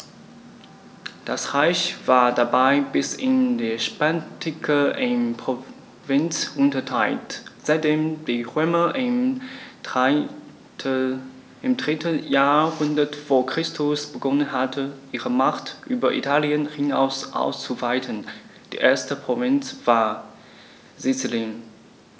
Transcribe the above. Das Reich war dabei bis in die Spätantike in Provinzen unterteilt, seitdem die Römer im 3. Jahrhundert vor Christus begonnen hatten, ihre Macht über Italien hinaus auszuweiten (die erste Provinz war Sizilien).